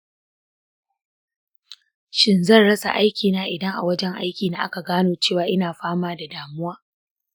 shin zan rasa aikina idan a wajen aikina aka gano cewa ina fama da damuwa?